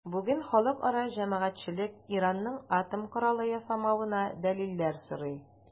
Бүген халыкара җәмәгатьчелек Иранның атом коралы ясамавына дәлилләр сорый.